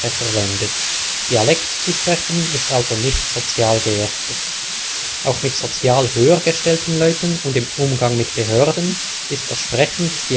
verwendet; Dialekt zu sprechen ist also nicht sozial geächtet. Auch mit sozial höhergestellten Leuten und im Umgang mit Behörden ist das Sprechen des Dialekts in